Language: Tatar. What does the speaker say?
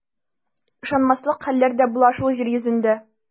Ышанмаслык хәлләр дә була шул җир йөзендә.